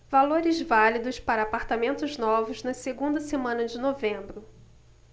valores válidos para apartamentos novos na segunda semana de novembro